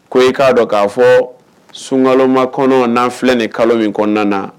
Ko e k'a dɔn k'a fɔ sunkama kɔnɔ na filɛ ni kalo in kɔnɔna na